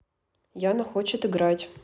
яна хочет играть